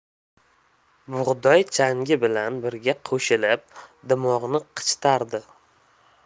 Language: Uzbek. bug'doy changi bilan birga qo'shilib dimog'ni qichitardi